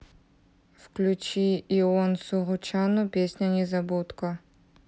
включи ион суручану песня незабудка